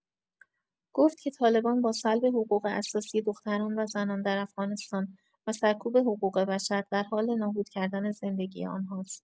گفت که طالبان با سلب حقوق اساسی دختران و زنان در افغانستان و سرکوب حقوق‌بشر، در حال نابود کردن زندگی آنهاست.